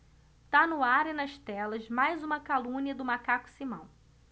tá no ar e nas telas mais uma calúnia do macaco simão